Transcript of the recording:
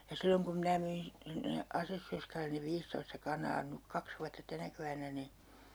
ja silloin kun minä myin sinne asessorskalle ne viisitoista kanaa nyt kaksi vuotta tänä keväänä niin